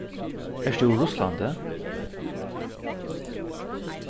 ert tú úr russlandi